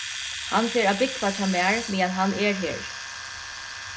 hann fer at búgva hjá mær meðan hann er her